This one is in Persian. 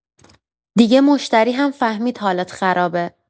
دیگه مشتری هم فهمید حالت خرابه.